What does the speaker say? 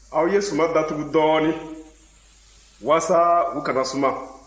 a ye sumanw datugu dɔɔnin walasa u kana suma